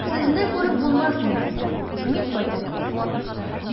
Сезне күреп булмас инде, мин кайтып китәм.